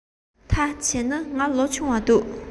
འོ བྱས ན ང ལོ ཆུང བ འདུག